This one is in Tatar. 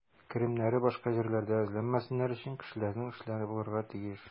Керемнәрне башка җирләрдә эзләмәсеннәр өчен, кешеләрнең эшләре булырга тиеш.